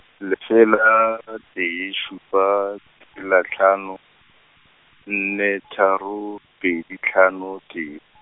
lefela, tee šupa, tshela hlano, nne tharo, pedi hlano, tee.